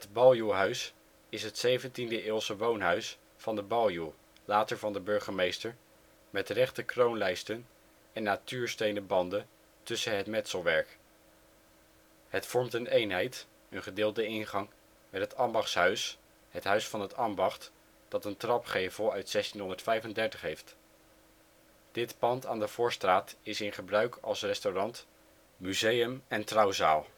Baljuwhuis is het 17e eeuws woonhuis van de baljuw (later van de burgemeester), met rechte kroonlijsten en natuurstenen banden tussen het metselwerk. Het vormt een eenheid (een gedeelde ingang) met het Ambachtshuis, het huis van het ambacht, dat een trapgevel uit 1635 heeft. Dit pand aan de Voorstraat is gebruik als restaurant, museum en trouwzaal